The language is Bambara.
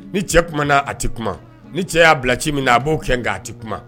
Ni cɛ kuma na a tɛ kuma, ni cɛ y'a bila ci min na, a b'o kɛ nka a tɛ kuma.